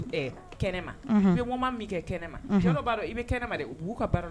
Ɛ kɛnɛma. Unhun. I bɛ moment min min kɛ kɛnɛma. Unhun. Fɔlɔ u b'a dɔn i bɛ kɛnɛma dɛ, u b'u ka baaraw